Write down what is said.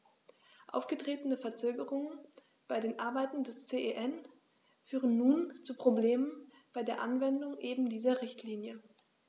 Aufgetretene Verzögerungen bei den Arbeiten des CEN führen nun zu Problemen bei der Anwendung eben dieser Richtlinie.